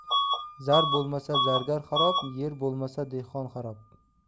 zar bo'lmasa zargar xarob yer bo'lmasa dehqon xarob